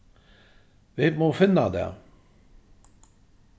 vit mugu finna tað